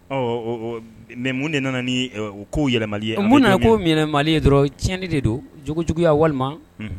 Ɔ, oo Mais mun de nana ni ɛ o ko yɛlɛmani ye anw bɛ taa mun nana komin yɛlɛmali ye dɔrɔn tiɲɛnin de don, jogojuguya walima unh